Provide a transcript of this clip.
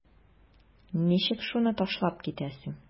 Ничек шуны ташлап китәсең?